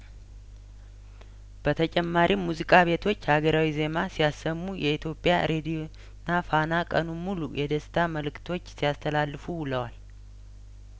በተጨማሪም ሙዚቃ ቤቶች ሀገራዊ ዜማ ሲያሰሙ የኢትዮጵያ ሬዲዮና ፋና ቀኑን ሙሉ የደስታ መልእክቶች ሲያስተላልፉ ውለዋል